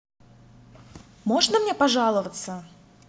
можно мне пожаловаться